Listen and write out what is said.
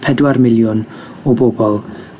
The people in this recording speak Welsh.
pedwar miliwn o bobol